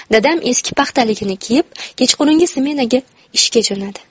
dadam eski paxtaligini kiyib kechqurungi smenaga ishga jo'nadi